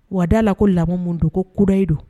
Warada la ko lamɔ mun don ko kuralen do